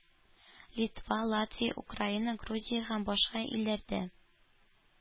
Литва, Латвия, Украина, Грузия һәм башка илләрдә